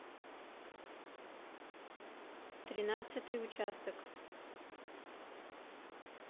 тринадцатый участок